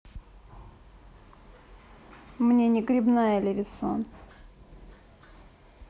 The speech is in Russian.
мне не грибная левинсон